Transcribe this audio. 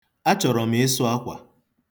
Achọrọ m ịsụ akwa.